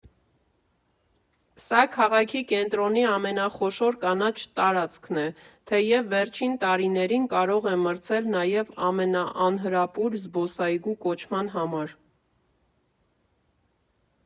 Սա քաղաքի կենտրոնի ամենախոշոր կանաչ տարածքն է, թեև վերջին տարիներին կարող է մրցել նաև ամենաանհրապույր զբոսայգու կոչման համար։